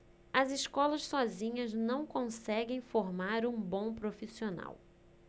as escolas sozinhas não conseguem formar um bom profissional